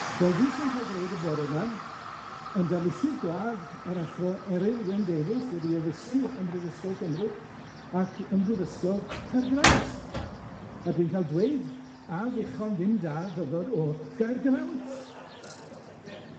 Wel fi sy'n ca'l dweud y bore 'ma yn darlithydd gwadd yr athro Eryl Wyn Davies wedi addysgu ym Mhrifysgol Cymru ac ym Mhrifysgol Caergrawnt, a dwi'n ca'l dweud a ddechon ddim da ddyfod o Gaergrawnt.